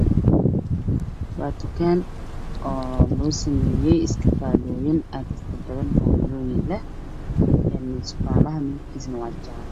Waa dukaan o loo sameeyay iskafaalooyin aad u fara badan qaanadooyin leh iska faalaha midabkiisana waa jaale